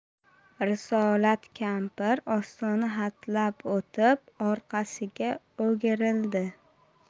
risolat kampir ostona hatlab o'tib orqasiga o'girildi